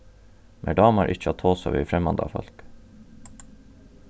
mær dámar ikki at tosa við fremmandafólk